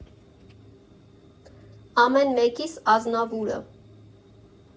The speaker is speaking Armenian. Ամեն մեկիս Ազնավուրը։